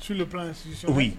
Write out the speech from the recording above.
Su o ye